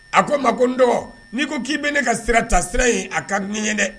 A ko ma ko n dɔn n'i ko k'i bɛ ne ka sira ta sira ye a ka nin ye dɛ